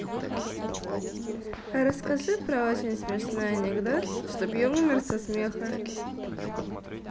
расскажи про очень смешной анекдот чтобы я умер со смеха